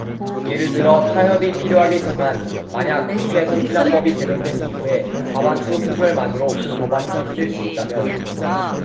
예를 들어 타협이 필요하겠지만 만약 국회선진화법이 개정된 이후에 과반수 표결만으로 그 법안이 폐지될 수 있다면